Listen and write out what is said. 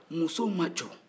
musow ma jɔ